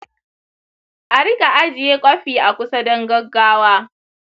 a riƙa ajiye kwafi a kusa don gaggawa.